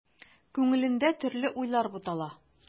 Күңелендә төрле уйлар бутала.